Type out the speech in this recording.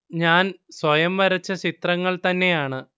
ഞാൻ സ്വയം വരച്ച ചിത്രങ്ങൾ തന്നെയാണ്